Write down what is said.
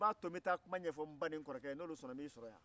i b'a to n bɛ taa kuma ɲɛfɔ n ba ni n kɔrɔkɛye n'olu sɔnna n b'i sɔrɔ yan